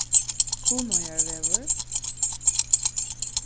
kunoyarvegur